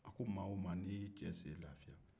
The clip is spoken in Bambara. a ko ma wo ma ni y'i cɛ sen lafiya